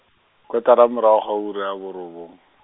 kotara morago ga ura ya borobong.